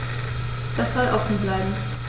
Das soll offen bleiben.